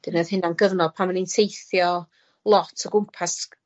'Lly roedd hynna'n gyfnod pan o'n i'n teithio lot o gwmpas